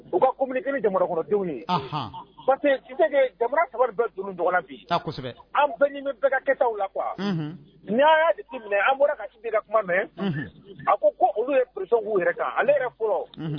U ka i bɛ jamanakɔrɔdenw ye parce jamana kiba bɛ dunun dɔgɔnin bi an bɛɛ bɛ ka kɛta la qu n'a y'a di minɛ an bɔra ka cibira kuma mɛn a ko ko olu ye psɔn yɛrɛ kan ale yɛrɛ fɔlɔ